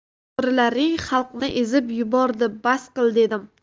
dorilaring xalqni ezib yubordi bas qil dedim